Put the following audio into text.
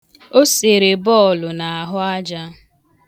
O sere bọọlụ n'ahụ aja.